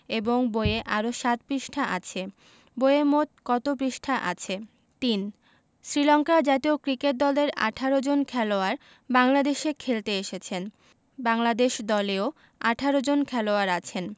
এবং বইয়ে আরও ৭ পৃষ্ঠা আছে বইয়ে মোট কত পৃষ্ঠা আছে ৩ শ্রীলংকার জাতীয় ক্রিকেট দলের ১৮ জন খেলোয়াড় বাংলাদেশে খেলতে এসেছেন বাংলাদেশ দলেও ১৮ জন খেলোয়াড় আছেন